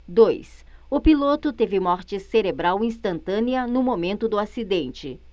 dois o piloto teve morte cerebral instantânea no momento do acidente